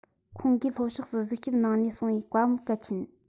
ཁོང གིས ལྷོ ཕྱོགས སུ གཟིགས ཞིབ གནང ནས གསུངས པའི བཀའ མོལ གལ ཆེན